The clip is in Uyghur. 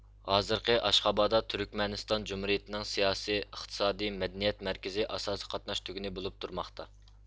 ھازىرقى ئاشخاباد تۈركمەنىستان جۇمھۇرىيىتىنىڭ سىياسىي ئىقتسادىي مەدەنىيەت مەركىزى ئاساسىي قاتناش تۈگۈنى بولۇپ تۇرماقتا